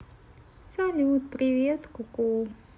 салют привет ку ку